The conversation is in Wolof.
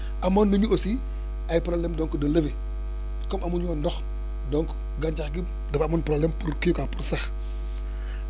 amoon nañu aussi ay problèmes donc de levée comme amuñu woon ndox donc gàncax gi dafa amoon problème pour kii quoi pour :frasax